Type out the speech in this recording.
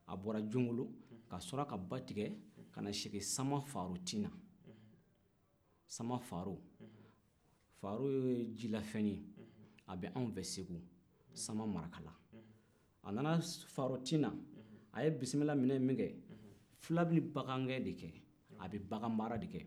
a bɔra jomolo ka sɔrɔ ka ba tigɛ kana sigi samafarotina samafaro faaro ye jilafɛn ye a bɛ anw fɛ segu samamarakala a nana farotina a ye bisimila minɛ ye minkɛ fula bɛ bagan gɛn de kɛ a bɛ bagan mara de kɛ